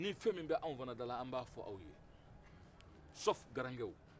ni fɛn mun b'an fɛnɛ dala an b'a f'aw ye sauf garankɛw